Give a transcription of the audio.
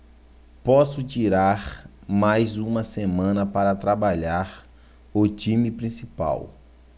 posso tirar mais uma semana para trabalhar o time principal